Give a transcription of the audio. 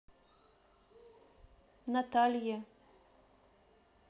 наталье